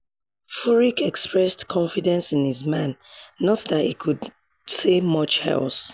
Furyk expressed confidence in his man, not that he could say much else.